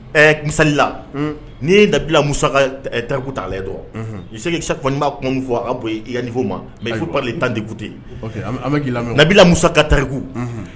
Ɛɛ misalila , ni ye dabila Musa ka tariku ta ka lajɛ dɔrɔn. je sais que, chaque fois ni n ba kumaninw fɔ , a ka bon i niveau ma. Mais il faut prendre le temps d'écouter _ ok an bɛ ki lamɛn. Nabila Musa ka tariku